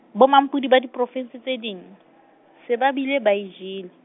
bo mampodi ba diprovinse tse ding, se ba bile ba e jele.